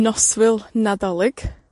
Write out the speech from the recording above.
Noswyl Nadolig.